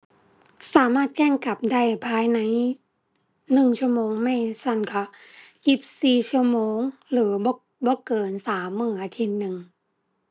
สามารถแจ้งกลับได้ภายในหนึ่งชั่วโมง ไม่ซั้นก็ยี่สิบสี่ชั่วโมง หรือบ่ บ่เกินสามมื้ออาทิตย์หนึ่ง